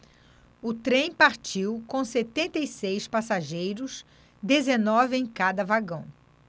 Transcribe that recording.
o trem partiu com setenta e seis passageiros dezenove em cada vagão